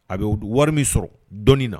A bɛ o wari min sɔrɔ dɔɔnin na